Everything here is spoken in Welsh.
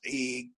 i